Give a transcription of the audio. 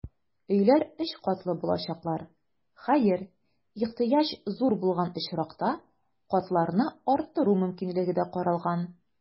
Өйләр өч катлы булачаклар, хәер, ихтыяҗ зур булган очракта, катларны арттыру мөмкинлеге дә каралган.